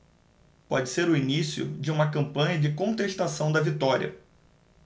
pode ser o início de uma campanha de contestação da vitória